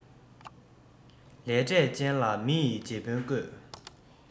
ལས འབྲས ཅན ལ མི ཡིས རྗེ དཔོན བསྐོས